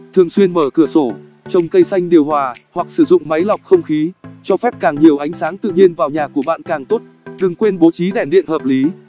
thường xuyên mở cửa sổ trồng cây xanh điều hòa hoặc sử dụng máy lọc không khí cho phép càng nhiều ánh sáng tự nhiên vào nhà của bạn càng tốt đừng quên bố trí đèn điện hợp lý